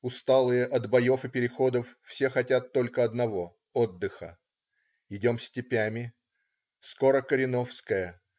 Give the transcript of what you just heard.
Усталые от боев и переходов, все хотят только одного: отдыха. Идем степями. Скоро Кореновская.